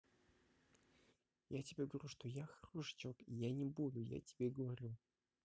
я тебе говорю что я хороший человек я не буду тебе говорю